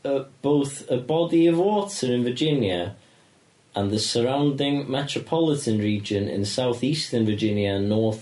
yy both a body of water in Virginia and the surrounfing metropolitan region in south eastern Virginia an north